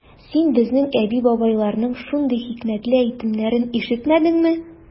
Син безнең әби-бабайларның шундый хикмәтле әйтемнәрен ишетмәдеңме?